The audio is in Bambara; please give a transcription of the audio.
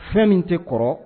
Fɛn min tɛ kɔrɔ